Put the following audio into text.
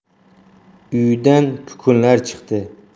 uyidan kukunlar chiqdi